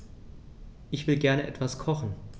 Ich will gerne etwas kochen.